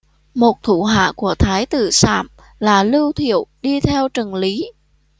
một thủ hạ của thái tử sảm là lưu thiệu đi theo trần lý